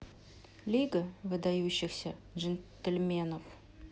лига выдающихся джентельменов